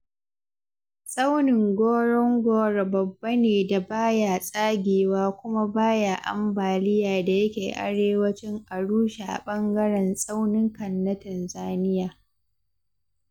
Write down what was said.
Tsaunin Ngorongoro babba ne da ba ya tsagewa kuma ba ya ambaliya da yake arewacin Arusha a ɓangaren tsauninka na Tanzania